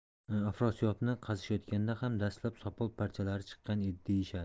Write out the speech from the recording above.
afrosiyobni qazishayotganda ham dastlab sopol parchalari chiqqan deyishadi